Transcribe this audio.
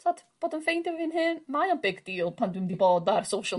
t'od bod yn ffeind efo'n hun mae o'n big deal pan dwi'm 'di bod ar social...